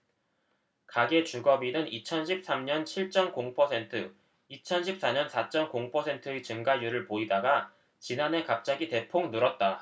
가계 주거비는 이천 십 삼 년 칠 쩜 공 퍼센트 이천 십 사 년 사 쩜 공 퍼센트의 증가율을 보이다가 지난해 갑자기 대폭 늘었다